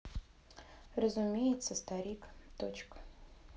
разумеется старик точка